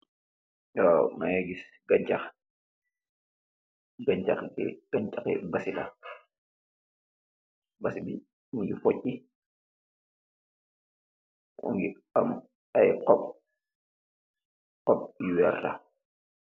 Mageh giss peechah peechah bi peechah hii baasi la baasi bi mogi bori mogi aam ay xoop xoop yu wertah.